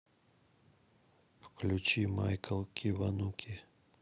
включи майкл кивануки